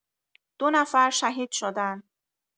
دو نفر شهید شدن.